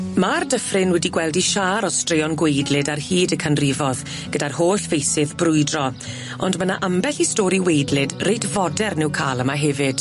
Ma'r dyffryn wedi gweld 'i siâr o straeon gwaedlyd ar hyd y canrifodd gyda'r holl feysydd brwydro ond ma' 'na ambell i stori waedlyd reit fodern i'w ca'l yma hefyd.